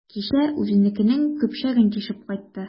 Кичә үзенекенең көпчәген тишеп кайтты.